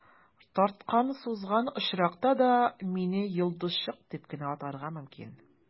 Тарткан-сузган очракта да, мине «йолдызчык» дип кенә атарга мөмкин.